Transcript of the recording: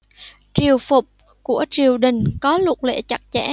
triều phục của triều đình có luật lệ chặt chẽ